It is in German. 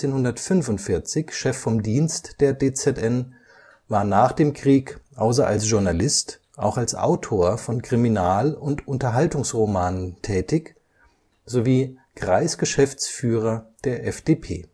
1945 Chef vom Dienst der DZN, war nach dem Krieg außer als Journalist auch als Autor von Kriminal - und Unterhaltungsromanen tätig sowie Kreisgeschäftsführer der FDP